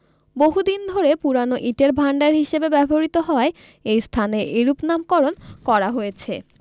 বহুদিন ধরে পুরানো ইটের ভাণ্ডার হিসেবে ব্যবহৃতত হওয়ায় এ স্থানের এরূপ নামকরণ করা হয়েছে